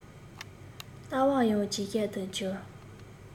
ལྟ བ ཡང ཇེ ཞན དུ གྱུར